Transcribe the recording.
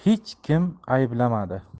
xolani hech kim ayblamadi